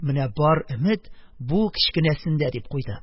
Менә бар өмет бу кечкенәсендә, - дип куйды.